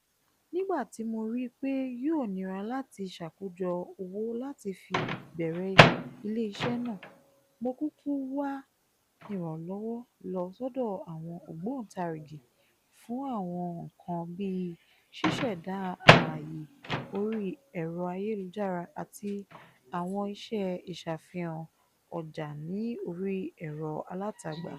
Nígbà tí mo ri pé yóò nira láti ṣàkójọ owó láti fi bẹ̀rẹ̀ iléeṣé náà, mo kúkú wá ìrànlọ́wọ́ lọ sọ́dọ̀ àwọn ògbóntarìgì fún àwọn nǹkan bíi ṣíṣẹda aàyè orí ẹ̀rọ ayélujára àtí àwọn ìwé ìṣafìhàn ọjà ní orí ẹ̀rọ alátagbà.